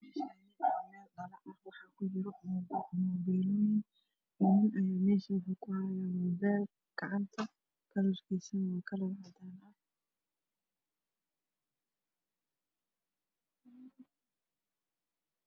Meeshaani waa meel shalo ku jiro mobile way kalarkisa waa kalar cadaan